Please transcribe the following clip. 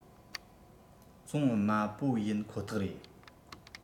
བཙོང དམའ པོ ཡིན ཁོ ཐག རེད